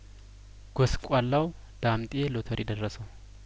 ጐስቋላው ዳምጤ ሎተሪ ደረሰው